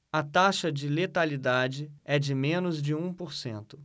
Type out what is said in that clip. a taxa de letalidade é de menos de um por cento